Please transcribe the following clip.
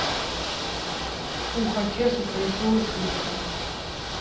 ухо чешется и шелушиться